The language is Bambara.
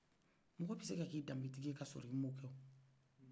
mɔgɔ bɛ se kakɛ dambe tigiye ka sɔrɔ i m'o kɛw